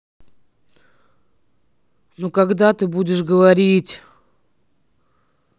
ну когда ты будешь говорить